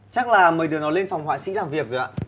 chắc là mấy đứa nó lên phòng họa sĩ làm việc rồi ạ